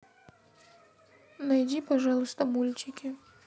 найдите пожалуйста мультики